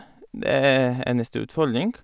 Det er eneste utfordring.